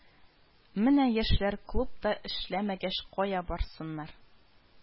Менә яшьләр клуб та эшләмәгәч кая барсыннар